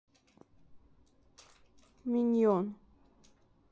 minion